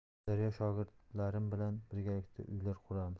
daryo shogirdlarim bilan birgalikda uylar quramiz